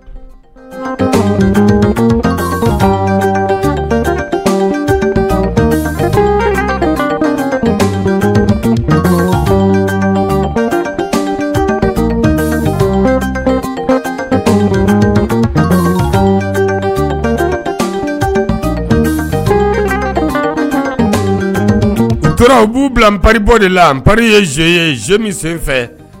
Tora u b'u bila pabɔ de la an pa ye z ye z min sen fɛ